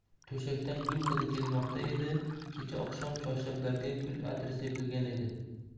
to'shakdan gul hidi kelmoqda edi kecha oqshom choyshablarga gul atri sepilgan edi